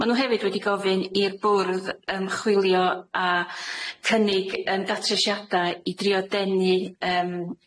Ma' nw hefyd wedi gofyn i'r bwrdd ymchwilio a cynnig yym datrysiada i drio denu yym